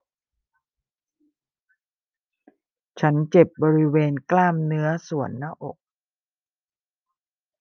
ฉันเจ็บบริเวณกล้ามเนื้อส่วนหน้าอก